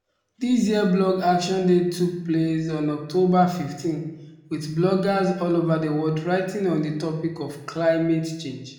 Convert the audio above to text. This year Blog Action Day took place on October 15, with bloggers all over the world writing on the topic of climate change.